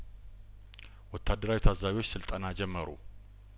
ወታደራዊ ታዛቢዎች ስልጠና ጀመሩ